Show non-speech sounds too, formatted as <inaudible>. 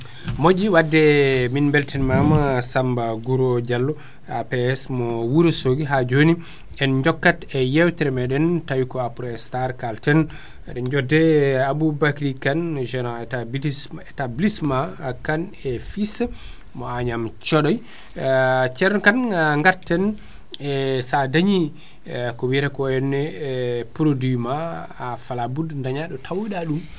<smacks lips> moƴƴƴi wadde <hesitation> min beltanimama Samba Guro Diallo <breath> APS mo Wourossogui ha joni en jokkat e yewtere meɗen tawi ko Aprostar kalten eɗen jodde <hesitation> Aboubacry kane gérant étabitis établissement Kane et fils mo Agnam Thioday <breath> <hesitation> ceerno Kane <hesitation> garten e sa dañi e ko wiyateko henna <hesitation> produit ma <hesitation> fala buddu daña ɗo tawon ɗa ɗum